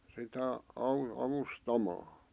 sitä - avustamaan